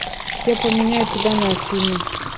я поменяю тебя на афину